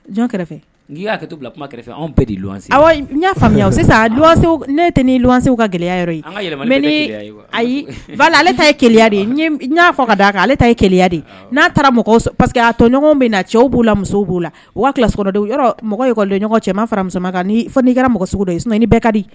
Jɔn kɛrɛfɛ n y'a faamuya sisan ne tɛ ni wasew ka gɛlɛya yɔrɔ ayi ale tayaa fɔ ka'a kan ale ta yeya de n'a taara paseke que a tɔɲɔgɔn bɛ na cɛw b'u la musow b'o la o waa kila yɔrɔ mɔgɔ y ɲɔgɔn cɛ ma faramusoma kan fɔ n'i kɛra mɔgɔsiw dɔ ye bɛɛ ka di